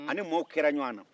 a ni maaw kɛra ɲɔgɔn na